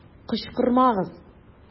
Кычкырмагыз!